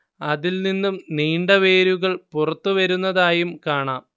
അതിൽ നിന്നും നീണ്ട വേരുകൾ പുറത്തു വരുന്നതായും കാണാം